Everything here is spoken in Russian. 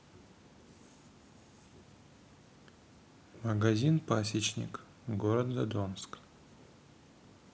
магазин пасечник город задонск